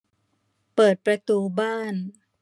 เปิดประตูบ้าน